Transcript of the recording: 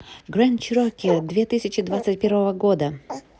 grand cherokee две тысячи двадцать первого года